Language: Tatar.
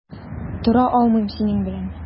Тора алмыйм синең белән.